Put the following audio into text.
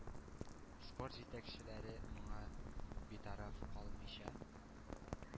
Спорт җитәкчеләре моңа битараф калмыйча,